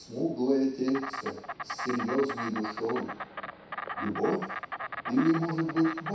смуглое тельце с серьезной душой любовь или может быть